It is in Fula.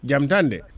jaam tan de